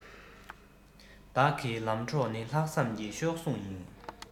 བདག གི ལམ གྲོགས ནི ལྷག བསམ གྱི གཤོག ཟུང ཡིན